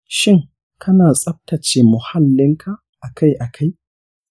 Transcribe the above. shin kana tsaftace muhallinka akai-akai?